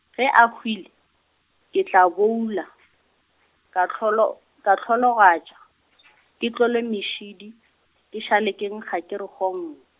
ge a hwile, ke tla boolwa ka hlolo, ka hlolo gatša , ke tlole mešidi, ke sa le ke nkga ke re hong.